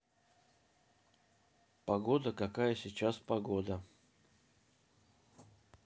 погода какая сейчас погода